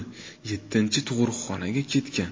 yettinchi tug'ruqxonaga ketgan